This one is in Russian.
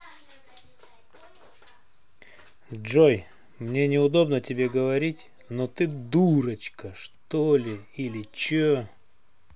джой мне неудобно тебе говорить но ты дурочка что ли или че